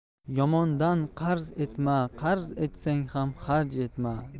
yomondan qarz etma qarz etsang ham xarj etma